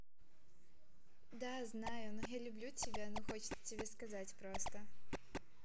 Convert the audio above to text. да знаю но я люблю тебя ну хочется тебе сказать просто